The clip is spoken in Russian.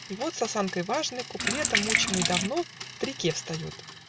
и вот с осанкой важной, Куплетом мучимый давно, Трике встает